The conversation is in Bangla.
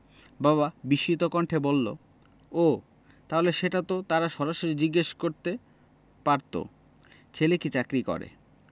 বাবা বিস্মিত কণ্ঠে বলল ও তাহলে সেটা তো তারা সরাসরি জিজ্ঞেস করতে পারত ছেলে কী চাকরি করে